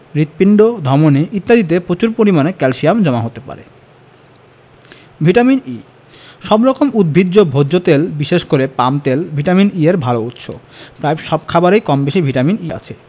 হৃৎপিণ্ড ধমনি ইত্যাদিতে প্রচুর পরিমাণে ক্যালসিয়াম জমা হতে থাকে ভিটামিন E সব রকম উদ্ভিজ্জ ভোজ্য তেল বিশেষ করে পাম তেল ভিটামিন E এর ভালো উৎস প্রায় সব খাবারেই কমবেশি ভিটামিন E আছে